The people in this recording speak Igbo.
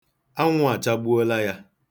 Anwụ achagbuola ya.